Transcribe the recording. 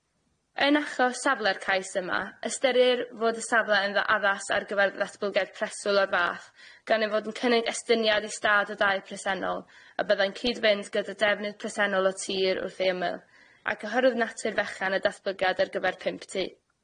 Yn achos safle'r cais yma, ystyrir fod y safle yn dda- addas ar gyfer ddatblygiad preswyl o'r fath gan ei fod yn cynnig estyniad i stad o dai presennol, a byddai'n cyd-fynd gyda defnydd presennol o tir wrth ei ymyl, ac oherwydd natur fechan y datblygiad ar gyfer pump tŷ.